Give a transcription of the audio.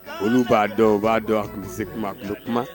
Olu b'a dɔn, u b'a dɔn, a tun bɛ se kuma, tun bɛ kuma